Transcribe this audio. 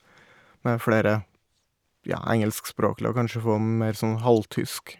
Med flere, ja, engelskspråklige, og kanskje få mer sånn halvtysk.